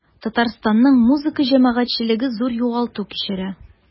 Татарстанның музыка җәмәгатьчелеге зур югалту кичерә.